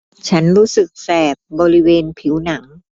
ฉันรู้สึกแสบบริเวณผิวหนัง